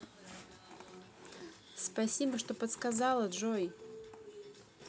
спасибо что подсказала джой